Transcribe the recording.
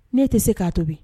Ne tɛ se k'a tobi